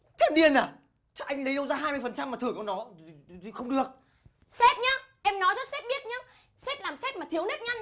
thế em điên à anh lấy đâu ra phần trăm mà thưởng cho nó không được sếp nhá em nói cho sếp biết nhá sếp làm sếp mà thiếu nếp nhăn nhá